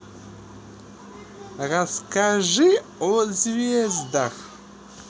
расскажи о звездах